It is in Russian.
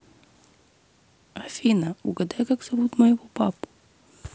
афина угадай как зовут моего папу